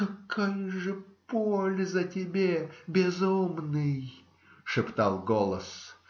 - Какая же польза тебе, безумный? - шептал голос.